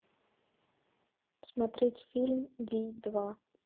смотреть фильм вий два